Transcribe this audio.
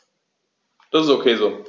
Das ist ok so.